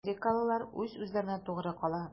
Америкалылар үз-үзләренә тугры кала.